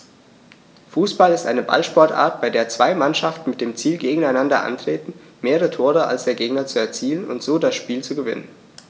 Fußball ist eine Ballsportart, bei der zwei Mannschaften mit dem Ziel gegeneinander antreten, mehr Tore als der Gegner zu erzielen und so das Spiel zu gewinnen.